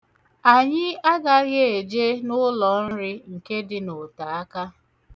Anyị agaghị eje n'ụlọnri nke dị n'otaaka.